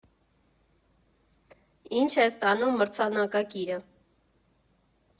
Ի՞նչ է ստանում մրցանակակիրը։